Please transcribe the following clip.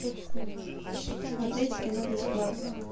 смотреть кино бесплатно